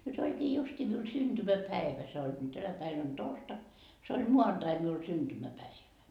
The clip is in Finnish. nyt olikin justiin minun syntymäpäivä se olikin tänä päivänä on torstai se oli maanantai minulla syntymäpäivä